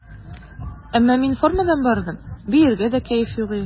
Әмма мин формадан бардым, биергә дә кәеф юк иде.